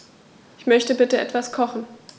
Ich möchte bitte etwas kochen.